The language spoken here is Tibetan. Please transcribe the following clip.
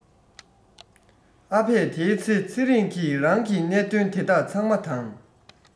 ཨ ཕས དེའི ཚེ ཚེ རིང གི རང གི གནད དོན དེ དག ཚང མ དང